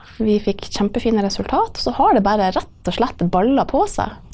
vi fikk kjempefine resultat så har det bare rett og slett balla på seg.